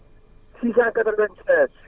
696